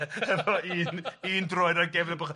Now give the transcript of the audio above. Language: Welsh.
efo un un droed ar gefn y pwch,